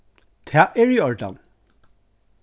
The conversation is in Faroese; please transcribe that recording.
tað er í ordan